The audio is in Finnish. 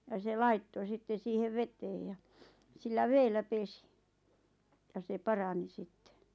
ja se laittoi sitten siihen veteen ja sillä vedellä pesi ja se parani sitten